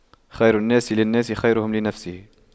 خير الناس للناس خيرهم لنفسه